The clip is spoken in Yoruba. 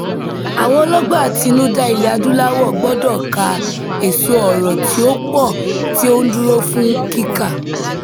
Àwọn ọlọ́gbọ́n àtinudá Ilẹ̀-Adúláwọ̀ gbọdọ̀ 'ká èso ọrọ̀ tí ó pọ̀ tí ó ń dúró fún kíká'